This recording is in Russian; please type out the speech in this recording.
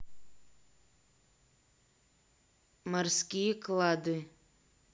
морские клады